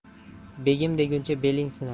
begim deguncha beling sinar